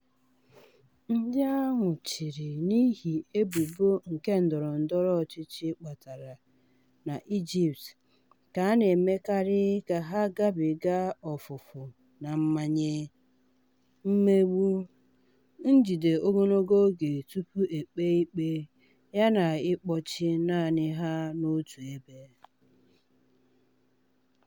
Ndị a nwụchiri n'ihi ebubo nke ndọrọ ndọrọ ọchịchị kpatara na Egypt ka a na-emekarị ka ha gabiga ofufu na mmanye, mmegbu, njide ogologo oge tupu e kpee ikpe yana ịkpọchi naanị ha n'otu ebe.